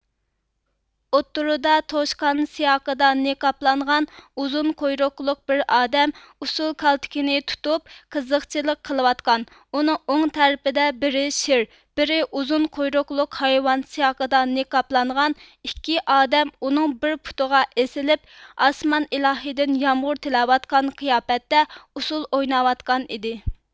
ئوتتۇرىدا توشقان سىياقىدا نىقابلانغان ئۇزۇن قۇيرۇقلۇق بىر ئادەم ئۇسسۇل كالتىكىنى تۇتۇپ قىزقچىلىق قىلىۋاتقان ئۇنىڭ ئوڭ تەرىپىدە بىرى شىر بىرى ئۇزۇن قۇيرۇقلۇق ھايۋان سىياقىدا نىقابلانغان ئىككى ئادەم ئۇنىڭ بىر پۇتىغا ئېسىلىپ ئاسمان ئىلاھىدىن يامغۇر تىلەۋاتقان قىياپەتتە ئۇسسۇل ئويناۋاتقان ئىدى